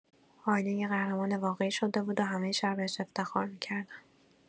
آیلین یه قهرمان واقعی شده بود و همه شهر بهش افتخار می‌کردن.